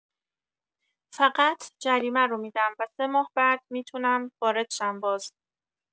فقط جریمه رو می‌دم و سه ماه بعد می‌تونم وارد شم باز.